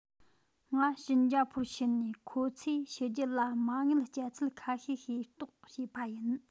ང ཞིན ཅ ཕོར ཕྱིན ནས ཁོ ཚོས ཕྱི རྒྱལ གྱི མ དངུལ སྤྱད ཚུལ ཁ ཤས ཤེས རྟོགས བྱས པ ཡིན